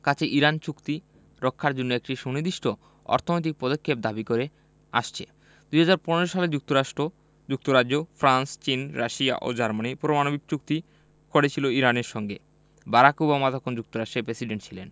কাছে ইরান চুক্তি রক্ষার জন্য একটি সুনির্দিষ্ট অর্থনৈতিক পদক্ষেপ দাবি করে আসছে ২০১৫ সালে যুক্তরাষ্ট্র যুক্তরাজ্য ফ্রান্স চীন রাশিয়া ও জার্মানি পরমাণবিক চুক্তি করেছিল ইরানের সঙ্গে বারাক ওবামা তখন যুক্তরাষ্ট্রের প্রেসিডেন্ট ছিলেন